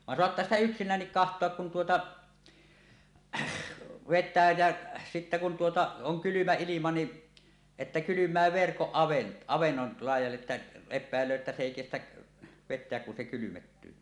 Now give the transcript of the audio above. vaan saattaa sitä yksinäänkin katsoa kun tuota vetää ja sitten kun tuota on kylmä ilma niin että kylmää verkko avannon laidalle että epäilee että se ei kestä vetää kun se kylmettyy